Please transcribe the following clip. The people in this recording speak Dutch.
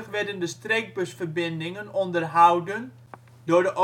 werden de streekbusverbindingen onderhouden door